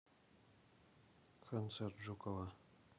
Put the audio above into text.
концерт жукова